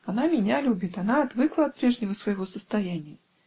Она меня любит; она отвыкла от прежнего своего состояния.